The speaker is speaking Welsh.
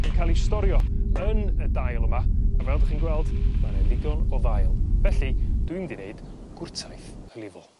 yn ca'l i storio yn y dail yma a fel dych chi'n gweld ma' 'ne ddigon o ddail felly dwi mynd i neud gwrtaith hylifol.